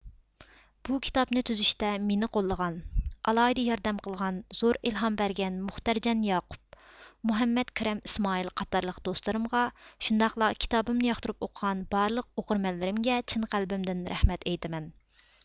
بۇ كىتابنى تۈزۈشتە مېنى قوللىغان ئالاھىدە ياردەم قىلغان زور ئىلھام بەرگەن مۇختەرجان ياقۇپ مۇھەممەد كېرەم ئىسمائىل قاتارلىق دوستلىرىمغا شۇنداقلا كىتابىمنى ياقتۇرۇپ ئوقۇغان بارلىق ئوقۇرمەنلىرىمگە چىن قەلبىمدىن رەھمەت ئېيتىمەن